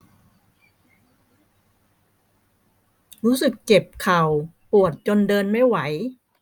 รู้สึกเจ็บเข่าปวดจนเดินไม่ไหว